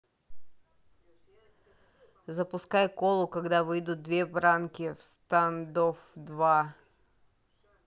запускай колу когда выйдут две ранки в standoff два